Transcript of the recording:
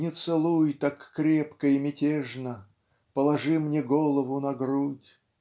Не целуй так крепко и мятежно, Положи мне голову на грудь".